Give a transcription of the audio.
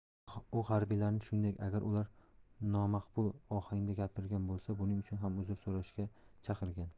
u harbiylarni shuningdek agar ular nomaqbul ohangda gapirgan bo'lsa buning uchun ham uzr so'rashga chaqirgan